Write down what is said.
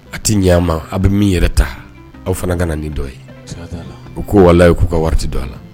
A tɛ'i ɲɛ ma aw bɛ min yɛrɛ ta aw fana ka na nin dɔ ye u ko wala ye k'u ka wari don a la